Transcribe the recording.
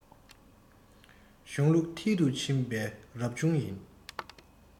གཞུང ལུགས མཐིལ དུ ཕྱིན པའི རབ བྱུང ཡིན